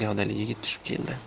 gavdali yigit tushib keldi